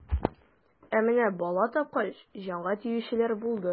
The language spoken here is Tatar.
Ә менә бала тапкач, җанга тиючеләр булды.